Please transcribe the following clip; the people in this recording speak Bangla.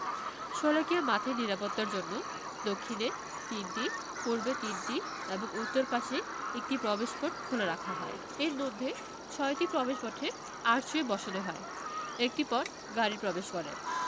শোলাকিয়া মাঠের নিরাপত্তার জন্য দক্ষিণে তিনটি পূর্বে তিনটি এবং উত্তর পাশে একটি প্রবেশপথ খোলা রাখা হয় এর মধ্যে ছয়টি প্রবেশপথে আর্চওয়ে বসানো হয় একটি পথ গাড়ি প্রবেশ করে